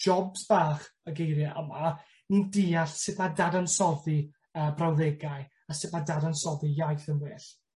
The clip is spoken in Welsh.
jobs bach y geirie yma, ni'n deall sut ma' dadansoddi y y brawddegau, a sut ma' dadansoddi iaith yn well.